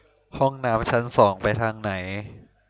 ห้องน้ำชั้นสองไปทางไหน